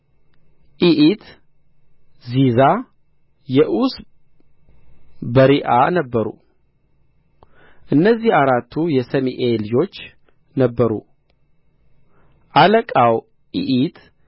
ኢኢት ዚዛ የዑስ በሪዓ ነበሩ እነዚህ አራቱ የሰሜኢ ልጆች ነበሩ አለቃው ኢኢት